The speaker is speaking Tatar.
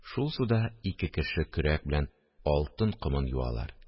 Шул суда ике кеше көрәк белән алтын комын юалар